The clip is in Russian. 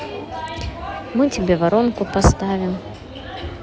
мы тебе воронку поставим